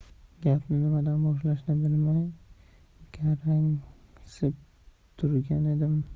gapni nimadan boshlashni bilmay garangsib turgan edim